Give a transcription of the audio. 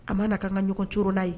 A ma na k'an ka ɲɔgɔn coron n'a ye